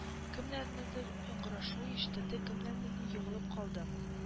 Кемнәрнеңдер ыңгырашуы ишетелде кемнәрнедер егылып калды